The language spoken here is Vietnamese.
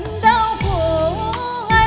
đao khổ